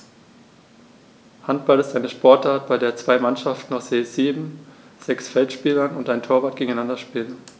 Handball ist eine Sportart, bei der zwei Mannschaften aus je sieben Spielern (sechs Feldspieler und ein Torwart) gegeneinander spielen.